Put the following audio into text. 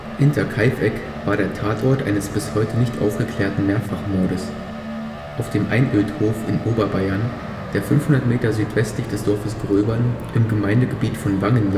Hinterkaifeck war der Tatort eines bis heute nicht aufgeklärten Mehrfachmordes. Auf dem Einödhof, der 500 m südwestlich des Dorfes Gröbern im Gemeindegebiet von Wangen